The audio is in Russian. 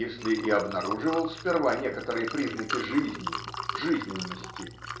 если и обнаруживал сперва некоторые признаки жизни жизненности